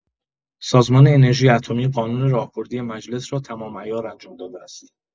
سازمان انرژی اتمی قانون راهبردی مجلس را تمام‌عیار انجام داده است.